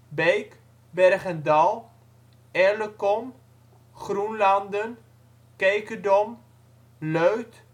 Beek, Berg en Dal (gedeeltelijk), Erlecom, Groenlanden, Kekerdom, Leuth